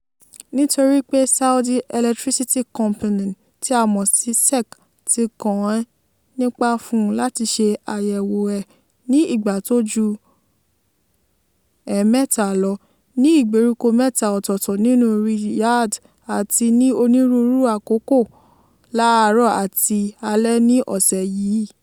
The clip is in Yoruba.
Nítorí pé Saudi Electricity Company (SEC) ti kàn-án nípá fun láti ṣe àyèwò ẹ̀ ní ìgbà tó ju ẹẹ̀mẹta lọ, ní ìgbèríko mẹ́ta ọ̀tọọ̀tọ̀ nínú Riyadh àti ní onírúurú àkókò láàárọ̀ àti alẹ́ ní ọ̀sẹ̀ yìí.